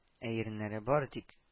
Ә иреннәре бары тик